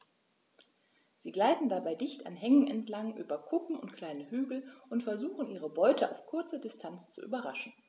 Sie gleiten dabei dicht an Hängen entlang, über Kuppen und kleine Hügel und versuchen ihre Beute auf kurze Distanz zu überraschen.